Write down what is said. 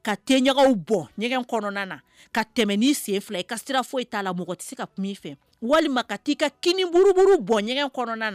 Ka tɛ ɲaga bɔgɛn na ka tɛmɛ sen fila i ka sira fo i t'a la mɔgɔ tɛ se ka kun fɛ walima ka' i ka kiniuru bɔgɛn na